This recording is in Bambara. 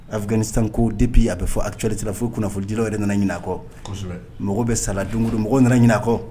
Afigsa ko de bi a bɛ fɔ ac sira fo'u kunnafonidi yɛrɛ nana ɲinkɔ mɔgɔ bɛ sa don mɔgɔ nana ɲinkɔ